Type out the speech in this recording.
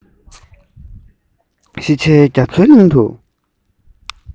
ཤེས བྱའི རྒྱ མཚོའི གླིང དུ